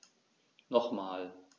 Nochmal.